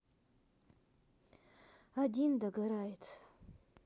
один догорает